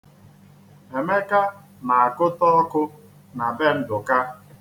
Emeka na-agụta ọkụ na be Ndụka.